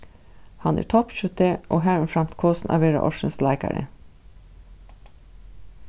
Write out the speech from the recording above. hann er toppskjútti og harumframt kosin at vera ársins leikari